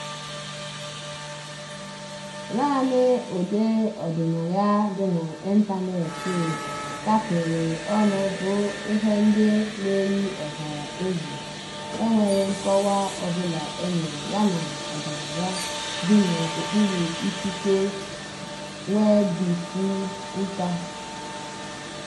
Naanị ụdị ọdịnaya dị n'ịntanetị a kapịrị ọnụ bụ "ihe ndị na-eyi ọha egwu" (enweghị nkọwa ọ bụla enyere) yana ọdịnaya dị n'okpuru ikike nwebisiinka.